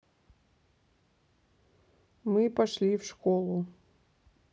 мы пошли в школу